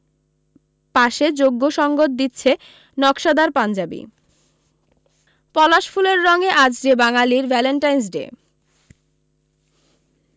পাশে যোগ্য সঙ্গত দিচ্ছে নকশাদার পাঞ্জাবি পলাশ ফুলের রঙে আজ যে বাঙালির ভ্যালেন্টাইনস ডে